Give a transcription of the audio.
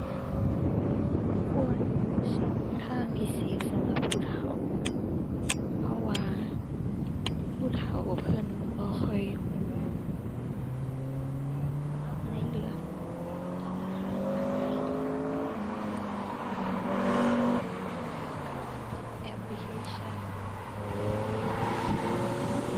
ควรมีช่องทางพิเศษสำหรับผู้เฒ่า เพราะว่าผู้เฒ่าเพิ่นบ่ค่อยรู้ในเรื่องธนาคารปานใด เพิ่นบ่ค่อยรู้เกี่ยวกับแอปพลิเคชัน